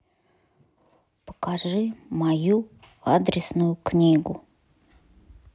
покажи мою адресную книгу